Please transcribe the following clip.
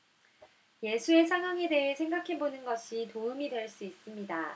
예수의 상황에 대해 생각해 보는 것이 도움이 될 수 있습니다